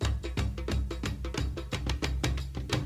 Sanunɛ